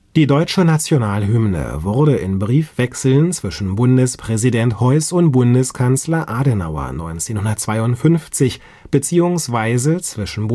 Die deutsche Nationalhymne wurde in Briefwechseln zwischen Bundespräsident Heuss und Bundeskanzler Adenauer 1952 beziehungsweise zwischen